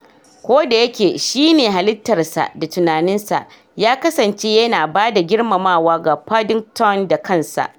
Ko da yake shi ne halittarsa da tunaninsa, ya kasance yana ba da girmamawa ga Paddington da kansa."